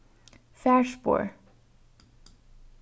farspor